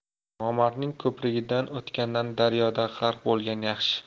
nomardning ko'prigidan o'tgandan daryoda g'arq bo'lgan yaxshi